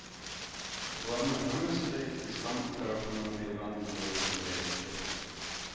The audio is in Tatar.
Боларның һәммәсе дә ислам тарафыннан тыелган булуы турында әйтте